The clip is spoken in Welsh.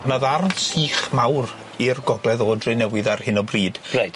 Ma' ddarn sych mawr i'r gogledd o Drenewydd ar hyn o bryd. Reit.